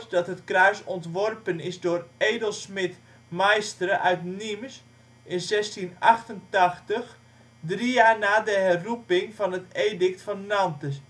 dat het kruis ontworpen is door edelsmid Maystre uit Nîmes in 1688, drie jaar na de herroeping van het Edict van Nantes